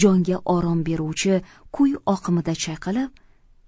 jonga orom beruvchi kuy oqimida chayqalib